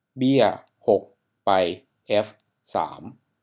เบี้ยหกไปเอฟสาม